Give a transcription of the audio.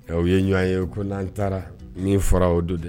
Ayiwa, u ye ɲɔgɔn ye ko n'an taara nin fɔra o de don dɛ.